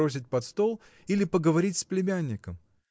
бросить под стол или поговорить с племянником!